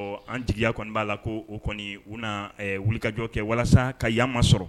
An tigiya kɔni b'a la ko o kɔni u na wuli kajɔ kɛ walasa ka yama sɔrɔ